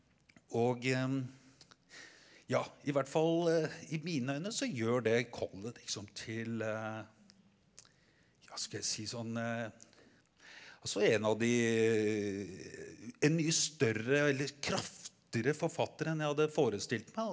og ja i hvert fall i mine øyne så gjør det Collett liksom til ja skal jeg si sånn også en av de en mye større eller kraftigere forfatter enn jeg hadde forestilt meg da,